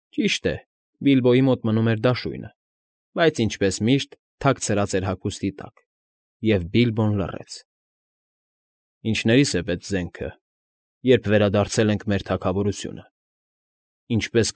Ճիշտ է, Բիլբոյի մոտ մնում էր դաշույնը, բայց, ինչպես միշտ, թաքցրած էր հագուստի տակ, և Բիլբոն լռեց։֊ Ինչներիս է պետք զենքը, երբ վերադարձել ենք մեր թագավորությունը, ինչպես։